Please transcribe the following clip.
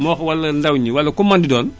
moo wax wala ndaw ñi wala ku mu mënti doon